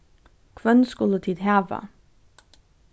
hvønn skulu tit hava